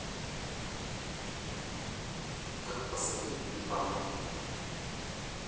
как посадить тюльпаны